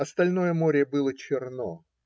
остальное море было черно